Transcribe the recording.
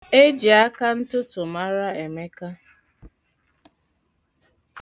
E ji akantụtụ mara Emeka.